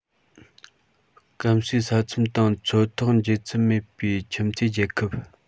སྐམ སའི ས མཚམས དང མཚོ ཐོག འབྱེད མཚམས མེད པའི ཁྱིམ མཚེས རྒྱལ ཁབ